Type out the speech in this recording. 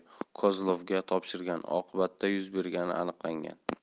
kozlovga topshirgani oqibatida yuz bergani aniqlangan